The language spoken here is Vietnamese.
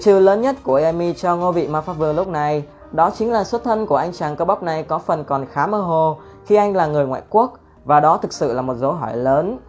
điểm trừ lớn nhất của yami cho ngôi vị mpv lúc này đó chính là xuất thân của anh chàng cơ bắp này có phần còn khá mơ hồ khi anh là người ngoại quốc và đó thực sự là dấu hỏi lớn